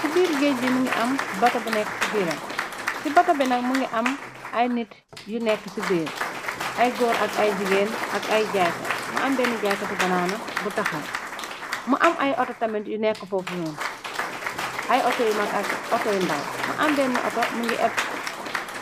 Ci biir gaaj bi mugii am bato bu nekka si biiram, si bato binak mugii am ay nit yu nekka si biir, ay gór ak ay jigeen ak ay jaay kay. Mu am benna jaay katti banana bu taxaw, mu am ay Otto tamid yu nèkka fof non. Ay Otto yu gór ak Otto yu ndaw, mu am benna otto mugii ep